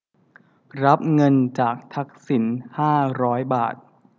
รับเงินจากทักษิณห้าร้อยบาท